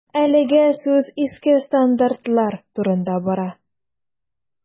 Әлегә сүз иске стандартлар турында бара.